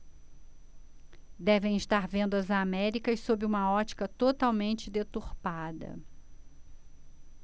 devem estar vendo as américas sob uma ótica totalmente deturpada